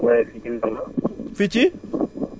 di la woowee fii ci Ndola